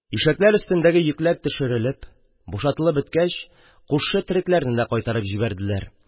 Ишәкләр өстендәге йөкләр төшерелеп, бушатылып беткәч, кушчы төрекләрне дә кайтарып җибәрделәр.